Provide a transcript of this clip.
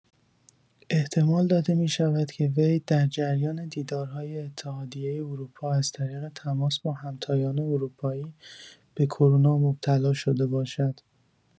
احتمال داده می‌شود که وی در جریان دیدارهای اتحادیه اروپا از طریق تماس با همتایان اروپایی به کرونا مبتلا شده باشد.